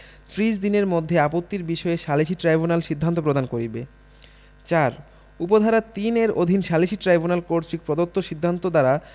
ত্রিশ দনের মধ্যে আপত্তির বিষয়ে সালিসী ট্রাইব্যুনাল সিদ্ধান্ত প্রদান করিবে ৪ উপ ধারা ৩ এর অধীন সালিসী ট্রাইব্যুনাল কর্তৃক প্রদত্ত সিদ্ধান্ত দ্বারা